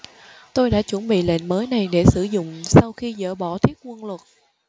tôi đã chuẩn bị lệnh mới này để sử dụng sau khi dỡ bỏ thiết quân luật